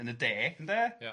...yn y De, ynde. Ia.